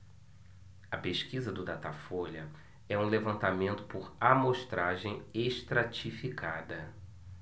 a pesquisa do datafolha é um levantamento por amostragem estratificada